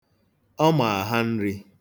Ọ ma aha nri.